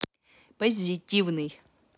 позитивный